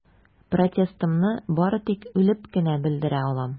Протестымны бары тик үлеп кенә белдерә алам.